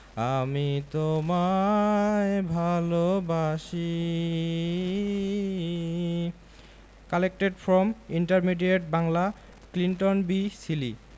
আমি তোমায় ভালবাসি collected from intermediate Bangla Clinton B Seely